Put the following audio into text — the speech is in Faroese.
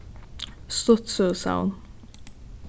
stuttsøgusavn